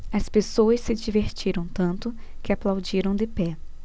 as pessoas se divertiram tanto que aplaudiram de pé